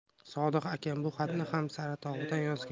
sodiq akam bu xatini ham saratovdan yozgan edi